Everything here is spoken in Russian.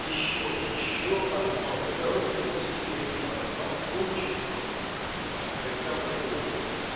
Еще, еще одно благородное усилие – и борьба кончена! Александр ожил.